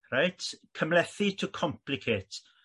reit cymlethi to complicate.